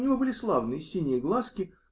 У него были славные синие глазки